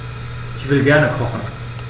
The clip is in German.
Ich will gerne kochen.